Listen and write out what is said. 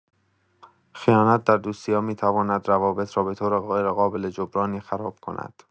خیانت در دوستی‌ها می‌تواند روابط را به‌طور غیرقابل جبرانی خراب کند.